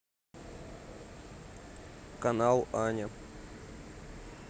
канал аня